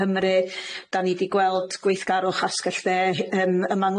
Nghymru 'dan ni 'di gweld gweithgarwch asgell dde yym yma yng